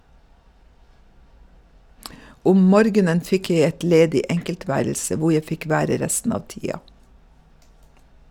Om morgenen fikk jeg et ledig enkeltværelse hvor jeg fikk være resten av tida.